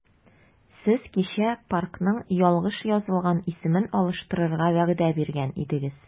Сез кичә паркның ялгыш язылган исемен алыштырырга вәгъдә биргән идегез.